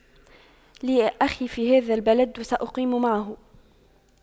لي اخي في هذا البلد سأقيم معه